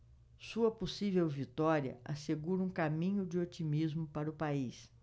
sua possível vitória assegura um caminho de otimismo para o país